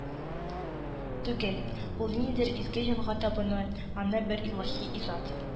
Түгел, ул ниндидер изге җанга табыну, аны бер илаһи изат